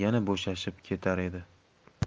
yana bo'shashib ketar edi